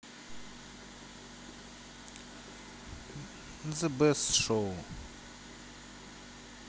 збс шоу